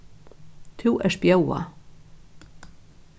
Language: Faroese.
tú ert bjóðað